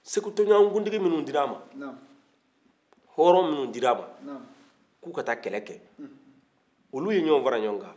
segu tonkuntigi minnu dir'a ma hɔɔrɔn minnu dir'a ma k'u ka taa kɛlɛ kɛ olu ye ɲɔgɔn faraɲɔgɔnkan